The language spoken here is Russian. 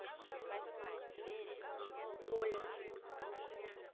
полис